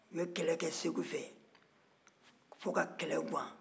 u ye kɛlɛ kɛ segu fɛ fɔ kɛlɛ gan